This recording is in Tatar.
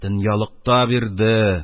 Дөньялыкта бирде